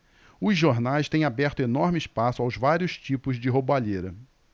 os jornais têm aberto enorme espaço aos vários tipos de roubalheira